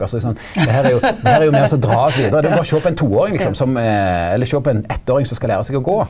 det her er jo det her er jo med også dra oss vidare det er jo berre å sjå på ein toåring liksom som eller sjå på ein eittåring som skal læra seg å gå.